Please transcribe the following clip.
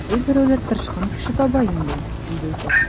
Кайберәүләр тырышкан кеше таба инде, дип әйтер.